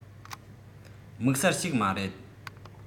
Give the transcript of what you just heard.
དམིགས བསལ ཞིག མ རེད